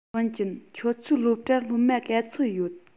ཝུན ཅུན ཁྱོད ཚོའི སློབ གྲྭར སློབ མ ག ཚོད ཡོད